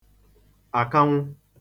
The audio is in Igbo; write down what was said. àkanwụ